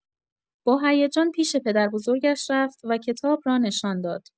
با هیجان پیش پدربزرگش رفت و کتاب را نشان داد.